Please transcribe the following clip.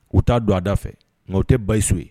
U t'a don ada fɛ nka u tɛ basiso ye